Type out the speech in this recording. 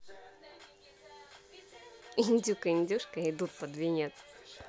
индюк индюшка идут под венец